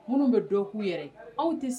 Minnu bɛ dɔ k'u yɛrɛ anw tɛ se